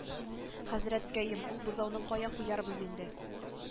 Хәзрәткәем ул бозауны кая куярбыз инде